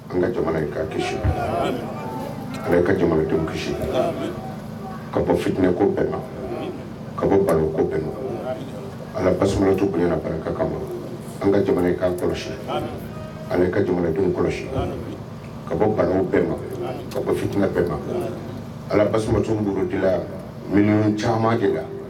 An ka an ka kisi ka bɔ fit ko bɛɛ ma ka bɔ balo ko bɛn ala ba tu kun ba kan an ka' kɔlɔsi an ka dun kɔlɔsi ka bɔ balima bɛɛ ma ka bɔ fitinɛ bɛɛma ala bamatu minnu caman de la